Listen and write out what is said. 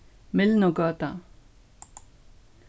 mylnugøta